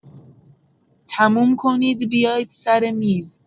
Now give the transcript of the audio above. تموم کنید بیایید سر میز.